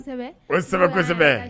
Kosɛbɛ